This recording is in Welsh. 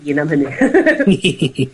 ...flin am hynny.